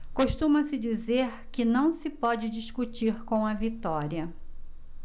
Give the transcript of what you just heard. costuma-se dizer que não se pode discutir com a vitória